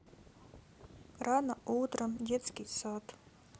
рано утром детский сад